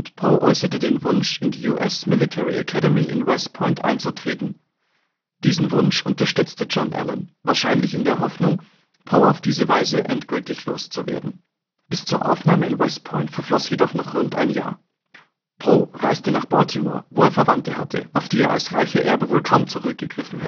Poe äußerte den Wunsch, in die US Military Academy von West Point einzutreten; diesen Wunsch unterstützte John Allan wahrscheinlich in der Hoffnung, Poe auf diese Weise endgültig loszuwerden. Bis zur Aufnahme in West Point verfloss jedoch noch rund ein Jahr. Poe reiste nach Baltimore, wo er Verwandte hatte, auf die er als reicher Erbe wohl kaum zurückgegriffen